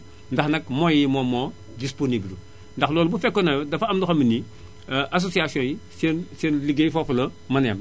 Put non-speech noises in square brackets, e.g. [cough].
ndax nag moyens yi moom moo disponiibulul ndax loolu bu fekkoon ne dafa am loo xam ne nii [hesitation] associations yi seen seen liggéey foofu la mën a yem